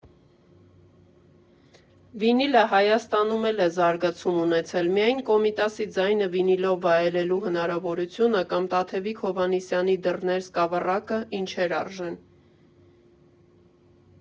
Վինիլը Հայաստանում էլ է զարգացում ունեցել, միայն Կոմիտասի ձայնը վինիլով վայելելու հնարավորությունը կամ Տաթևիկ Հովհաննիսյանի «Դռներ» սկավառակը ինչե՜ր արժեն։